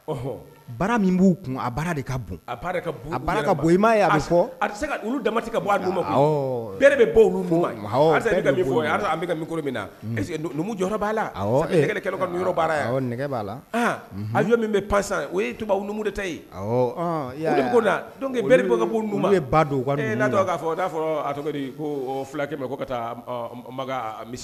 B' dama ka bɔ dun bɛ olu min na que numu b'a la ka baara la b'a la a yo min bɛ pasa o ye tuba numu de tɛ yen koke bɔ bɛ ba don n'a'a fɔ'a fɔra ko fulakɛ ko ka taa makan misi